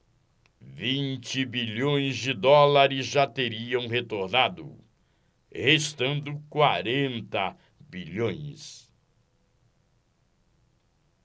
vinte bilhões de dólares já teriam retornado restando quarenta bilhões